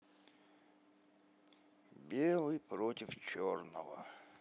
белый против черного